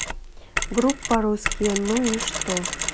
группа русские ну и что